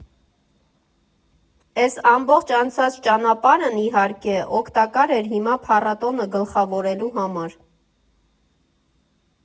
Էս ամբողջ անցած ճանապարհն, իհարկե, օգտակար էր հիմա փառատոնը գլխավորելու համար։